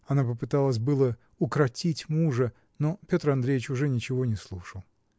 Она попыталась было укротить мужа, но Петр Андреич уже ничего не слушал.